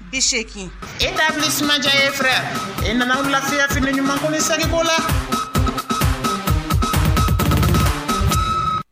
I see kin e t' fili simanjan ye fɛ e nana bilayafi ɲumankun seliko la